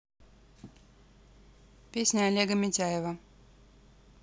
песня олега митяева